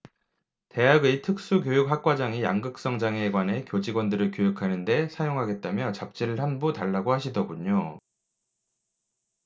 대학의 특수 교육학과장이 양극성 장애에 관해 교직원들을 교육하는 데 사용하겠다며 잡지를 한 부 달라고 하시더군요